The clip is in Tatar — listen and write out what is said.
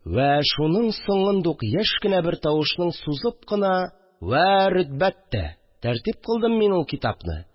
Вә шуның соңындук яшь кенә бер тавышның сузып кына «вә рөтбәттә» тәртип кылдым мин ул китапны